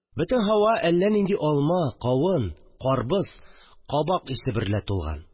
Бөтен һава әллә нинди алма, кавын, карбыз, кабак исе берлә тулган